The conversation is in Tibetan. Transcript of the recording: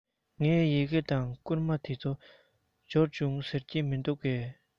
ངའི ཡི གེ དང བསྐུར མ དེ ཚོ འབྱོར བྱུང ཟེར གྱི མི འདུག གས